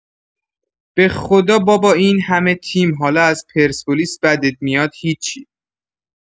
بخدا بابا اینهمه تیم حالا از پرسپولیس بدت میاد هیچی